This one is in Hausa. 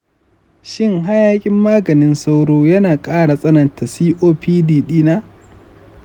shin hayakin maganin sauro yana ƙara tsananta copd dina?